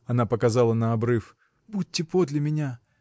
(она показала на обрыв) — будьте подле меня.